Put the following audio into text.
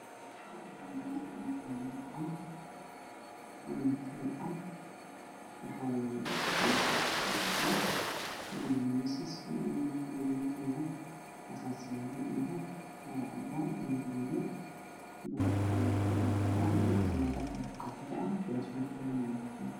Waa Meel huteel ah waxaa yaalo kuraasman iyo miisas. Miisaska waxaa saaran maro cadaan ah iyo maro qaxwi ah. Kuraasmanku waa qaxwi.